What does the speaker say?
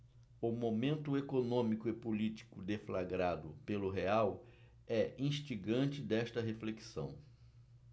o momento econômico e político deflagrado pelo real é instigante desta reflexão